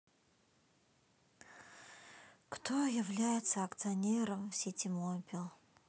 кто является акционером ситимобил